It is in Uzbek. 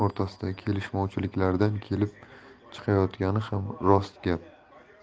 o'rtasidagi kelishmovchiliklardan kelib chiqayotgani ham rost gap